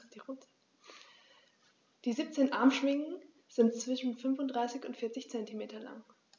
Die 17 Armschwingen sind zwischen 35 und 40 cm lang.